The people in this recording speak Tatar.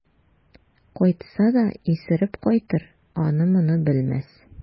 Кайтса да исереп кайтыр, аны-моны белмәс.